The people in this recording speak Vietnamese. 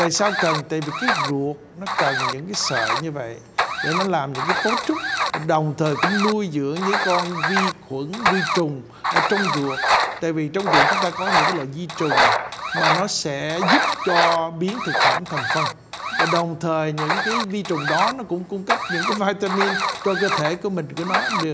tại sao cần tìm vì cái ruột nó cần những sợi như vậy để làm những cái cấu trúc đồng thời cũng nuôi dưỡng dưới con vi khuẩn vi trùng ở trong ruột tại vì trong ruột chúng ta có những loại vi trùng mà nó sẽ giúp cho biến thực phẩm thành phần và đồng thời những kí vi trùng đó nó cũng cung cấp những cái vai ta min cho cơ thể của mình của nó được